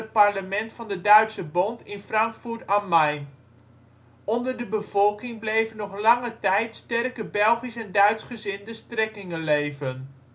parlement van de Duitse Bond in Frankfurt am Main. Onder de bevolking bleven nog lange tijd sterke Belgisch - en Duitsgezinde strekkingen leven